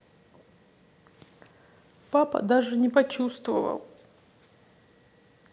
папа даже не почуствовал